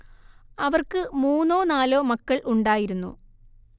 അവർക്ക് മൂന്നോ നാലോ മക്കൾ ഉണ്ടായിരുന്നു